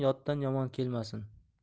yotdan yomon kelmasin